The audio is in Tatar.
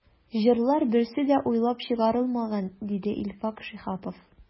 “җырлар берсе дә уйлап чыгарылмаган”, диде илфак шиһапов.